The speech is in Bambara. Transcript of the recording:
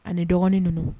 Ani dɔgɔnin ninnu